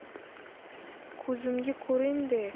ko'zimga ko'rinde